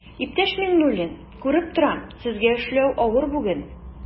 Иптәш Миңнуллин, күреп торам, сезгә эшләү авыр бүген.